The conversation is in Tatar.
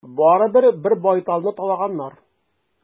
Барыбер, бер байталны талаганнар.